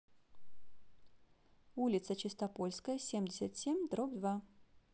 улица чистопольская семьдесят семь дробь два